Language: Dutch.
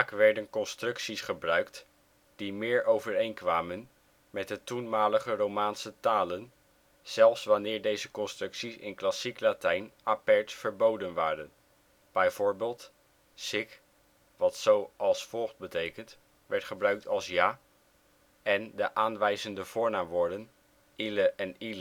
werden constructies gebruikt die meer overeenkwamen met de toenmalige Romaanse talen, zelfs wanneer deze constructies in klassiek Latijn apert ' verboden ' waren, bijvoorbeeld: Sic (= zo, als volgt) werd gebruikt als ' ja '. De aanwijzende voornaamwoorden ille en illa (= die